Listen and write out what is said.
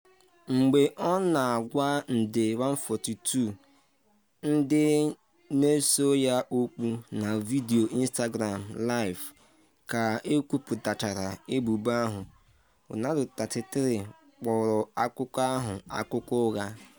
Mgbe ọ na-agwa nde 142 ndị na-eso ya okwu na vidiyo Instagram Live ka ekwuputachara ebubo ahụ, Ronaldo, 33, kpọrọ akụkọ ahụ “akụkọ ụgha.”